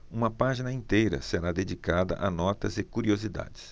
uma página inteira será dedicada a notas e curiosidades